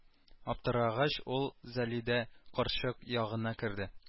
Аптырагач ул залидә карчык ягына керде